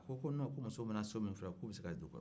ko non ko muso mana so min fɔ k'u bɛ se ka don o kɔnɔ